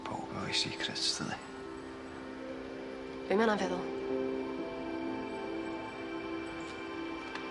Pawb efo'i secrets tydi? Be' ma' wnna'n feddwl?